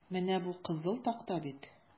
Менә бу кызыл такта бит?